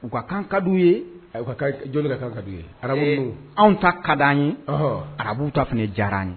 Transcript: U ka kan ka d'u ye. Ayi o ka kan, jonni ka ka d'u ye ? Arabu ninnu. Anw ta ka di an ye, ɔnhɔn, arabu ta fana diyara an ye.